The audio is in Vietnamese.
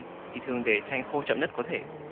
thì thường để tranh khô chậm nhất có thể